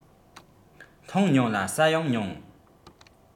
འཐུང མྱོང ལ ཟ ཡང མྱོང